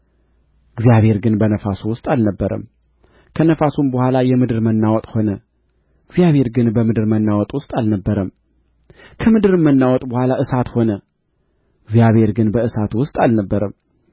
እግዚአብሔር ግን በነፋሱ ውስጥ አልነበረም ከነፋሱም በኋላ የምድር መናወጥ ሆነ እግዚአብሔር ግን በምድር መናወጥ ውስጥ አልነበረም ከምድር መናወጥ በኋላ እሳት ሆነ እግዚአብሔር ግን በእሳቱ ውስጥ አልነበረም